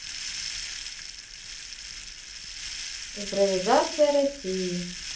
импровизация россии